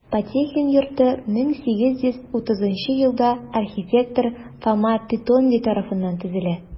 Потехин йорты 1830 елда архитектор Фома Петонди тарафыннан төзелә.